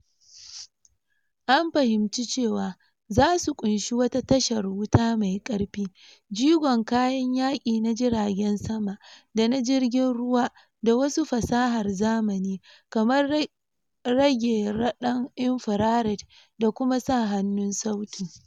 An fahimci cewa za su ƙunshi wata tashar wuta mai karfi, jigon kayan yaki na jiragen sama da na jirgin ruwa da wasu fasahar zamani, kamar rage radar, infrared da kuma sa hannun sauti.